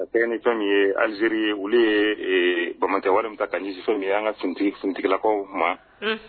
Ka kɛɲɛn ni fɛn min ye Alizeri ye olu ye banbagatɔya wale min ta ka ɲɛsin an ka finitigilakaw ma.